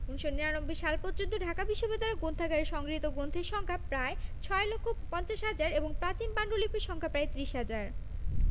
১৯৯৯ সাল পর্যন্ত ঢাকা বিশ্ববিদ্যালয় গ্রন্থাগারে সংগৃহীত গ্রন্থের সংখ্যা প্রায় ৬ লক্ষ ৫০ হাজার এবং প্রাচীন পান্ডুলিপির সংখ্যা প্রায় ত্রিশ হাজার